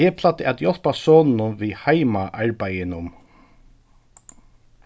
eg plagdi at hjálpa soninum við heimaarbeiðinum